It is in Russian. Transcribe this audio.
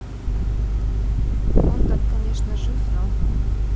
он так конечно жив но